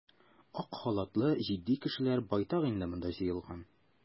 Ак халатлы җитди кешеләр байтак инде монда җыелган.